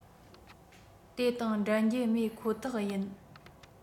དེ དང འགྲན རྒྱུ མེད ཁོ ཐག ཡིན